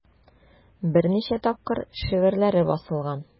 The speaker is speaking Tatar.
Берничә тапкыр шигырьләре басылган.